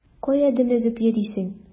Кая дөмегеп йөрисең?